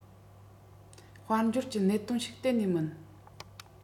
དཔལ འབྱོར གྱི གནད དོན ཞིག གཏན ནས མིན